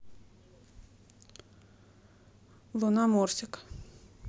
луна морсик